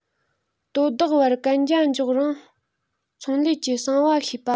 དོ བདག བར གན རྒྱ འཇོག རིང ཚོང ལས ཀྱི གསང བ ཤེས པ